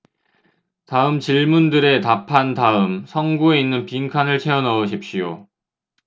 다음 질문들에 답한 다음 성구에 있는 빈칸을 채워 넣으십시오